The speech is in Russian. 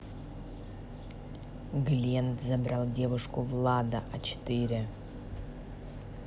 глент забрал девушку влада а четыре